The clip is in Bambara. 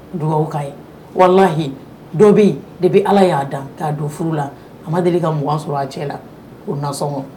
Dugawuwa ka walayi dɔ bɛyi de bɛ ala y'a dan k'a don furu la a ma deli kaugan sɔrɔ a cɛ la o nasɔngɔ